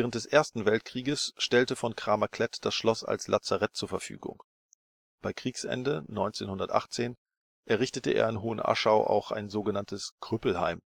des Ersten Weltkrieges stellte von Cramer-Klett das Schloss als Lazarett zur Verfügung. Bei Kriegsende 1918 errichtete er in Hohenaschau auch ein „ Krüppelheim